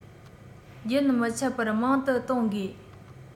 རྒྱུན མི ཆད པར མང དུ གཏོང དགོས